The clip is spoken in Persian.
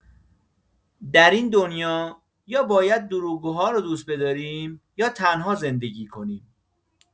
در این دنیا، یا باید دروغگوها را دوست بداریم، یا تنها زندگی کنیم.